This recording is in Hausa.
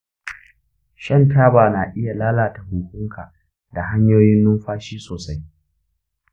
shan taba na iya lalata huhunka da hanyoyin numfashi sosai.